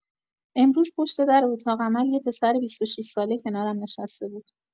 امروز پشت در اتاق عمل یه پسر ۲۶ ساله کنارم نشسته بود.